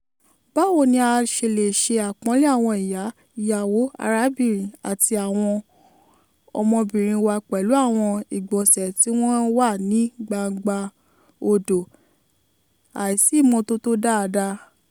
Báwo ni a ṣe lè ṣe àpọ́nlé àwọn ìyá, ìyàwó, arábìnrin àti àwọn ọmọbìnrin wa pẹ̀lú àwọn ìgbọ̀nsẹ̀ tí wọ́n wà ní gbangba odò – àìsí ìmọ́tótó dáadáa ?